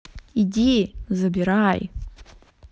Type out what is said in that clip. иди забирай